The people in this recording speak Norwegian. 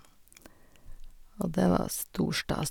Og det var stor stas.